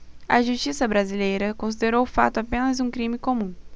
a justiça brasileira considerou o fato apenas um crime comum